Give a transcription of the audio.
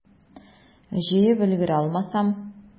Җыеп өлгерә алмасам?